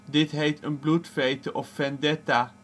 Dit heet een bloedvete of vendetta